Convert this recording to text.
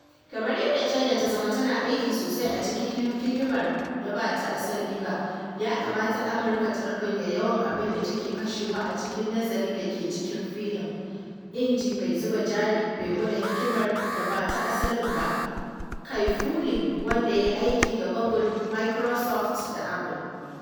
Kamar yadda China ta zama tana aiki sosai a cikin hikimar da ba ta asali ba, ya kamata Amurka ta ruɓanya yawan abin da take kashewa a cikin nazari da ke cikin filin, inji mai zuba jari mai gwada hikimar da ba ta asalin ba Kai-Fu Lee, wanda ya yi aiki da Google, Microsoft da Apple.